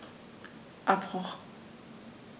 Abbruch.